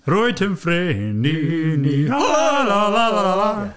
Rwyt yn ffrind i ni. La, la, la, la, la, la.